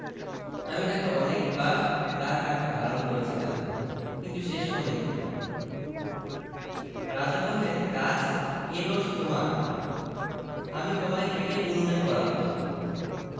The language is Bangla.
আমি তাকে অনেকবার ডাল কাটতে বারণ করেছিলাম কিন্তু সে শোনেনি রাজা বললেন গাছ এ দোষ তোমার আমি তোমায় কেটে উনুনে পোড়াব'